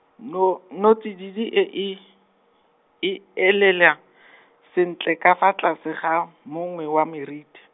nno nnotsididi e e, e elele , sentle ka fa tlase ga, mongwe wa meriti.